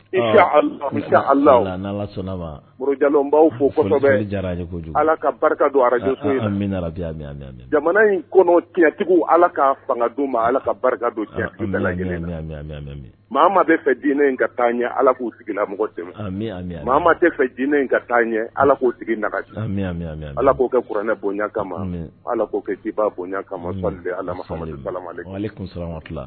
J jamana in ti ala ka fanga ma ala ka fɛ dinɛ ka taa ɲɛ ala k'u sigila fɛ dinɛ ka taa ɲɛ ala k'u sigi ala kuranɛ boyan ala boyan ala